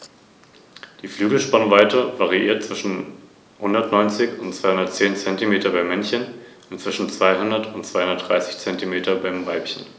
Rom wurde damit zur ‚De-Facto-Vormacht‘ im östlichen Mittelmeerraum.